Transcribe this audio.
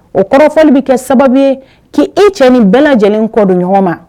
O kɔrɔfɔli bɛ kɛ sababu ye k' e cɛ ni bɛɛ lajɛlenlen kɔdon ɲɔgɔn ma